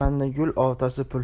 chamanda gul otasi pul